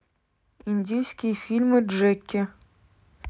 индийские фильмы джекки